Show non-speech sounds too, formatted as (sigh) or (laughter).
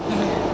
(hesitation) (hesitation) (noise)